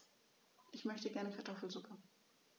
Ich möchte gerne Kartoffelsuppe.